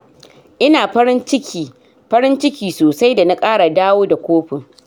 Ina farin ciki, farin ciki sosai da na kara dawo da kofin.